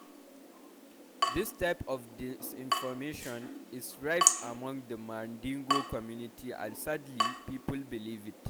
This type of disinformation is rife among the Mandingo community and sadly, people believe it.